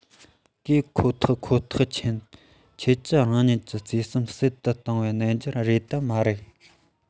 གིས ཁོ ཐག ཁོ ཐག མཚོན ཁྱོད ཀྱིས རང ཉིད ཀྱིས ཀྱི བརྩེ སེམས ཟབ ཏུ གཏོང བའི རྣམ འགྱུར རེད དམ མ རེད